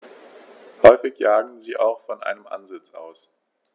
Häufig jagen sie auch von einem Ansitz aus.